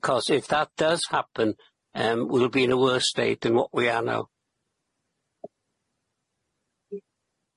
Because if that does happen, yym we'll be in a worse state than what we are now.